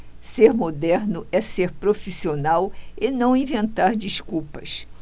ser moderno é ser profissional e não inventar desculpas